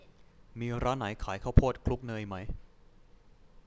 มีร้านไหนขายข้าวโพดคลุกเนยไหม